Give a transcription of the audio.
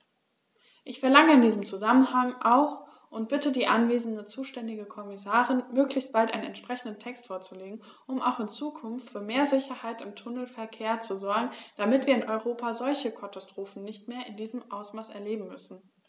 Ich verlange in diesem Zusammenhang auch und bitte die anwesende zuständige Kommissarin, möglichst bald einen entsprechenden Text vorzulegen, um auch in Zukunft für mehr Sicherheit im Tunnelverkehr zu sorgen, damit wir in Europa solche Katastrophen nicht mehr in diesem Ausmaß erleben müssen!